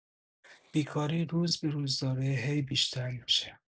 بیکاری روز به‌روز داره هی بیشتر می‌شه!